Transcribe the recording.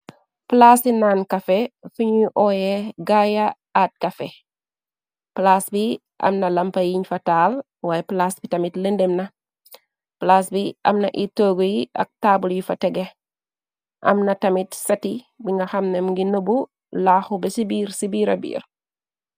plaas di naan kafe fi ñuy oye gaaya aat kafe plas bi amna lampa yiñ fataal waaye plas bi tamit lendem na plase bi amna itoogu yi ak taabal yu fa tege amna tamit sati bi nga xamnam ngi nëbu laaxu be ci biir ci biira biir